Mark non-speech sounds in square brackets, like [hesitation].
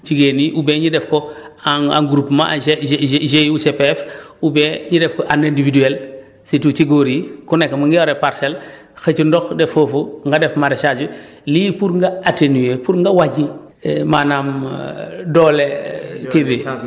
jigéen ñi oubien ñu def ko en en groupement g [hesitation] oubien ñu def ko en individuel surtout ci góor yi ku nekk mu ngi yore parcelle [breath] xëcc ndox def foofu nga def maraichage bi [breath] lii pour nga atténuer pour nga wàññi [hesitation] maanaam [hesitation] doole [hesitation]